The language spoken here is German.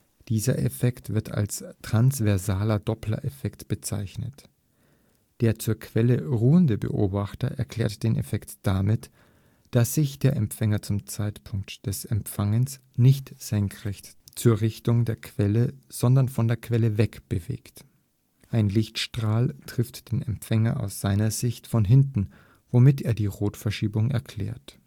Dieser Effekt wird als transversaler Dopplereffekt bezeichnet. Der zur Quelle ruhende Beobachter erklärt den Effekt damit, dass sich der Empfänger zum Zeitpunkt des Empfangens nicht senkrecht zur Richtung der Quelle, sondern von der Quelle weg bewegt. Der Lichtstrahl trifft den Empfänger aus seiner Sicht von hinten, womit er die Rotverschiebung erklärt